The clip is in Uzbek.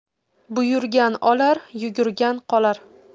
buyuigan olar yugurgan qolar